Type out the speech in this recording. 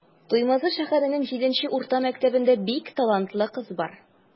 Туймазы шәһәренең 7 нче урта мәктәбендә бик талантлы кыз бар.